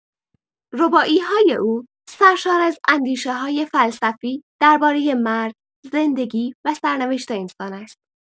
رباعی‌های او سرشار از اندیشه‌های فلسفی درباره مرگ، زندگی و سرنوشت انسان است.